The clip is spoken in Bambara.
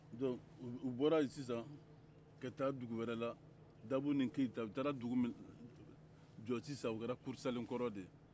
donc u bɔra yen sisan ka taa dugu wɛrɛ la dabo ni keyita u taara dugu min jɔ sisan o kɛra kurusalekɔrɔ de ye